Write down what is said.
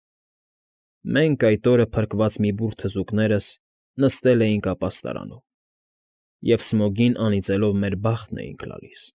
Մենք՝ այդ օրը փրկված մի բուռ թզուկներս, նստել էինք ապաստարանում և, Սմոգին անիծելով, մեր բախտն էինք լալիս։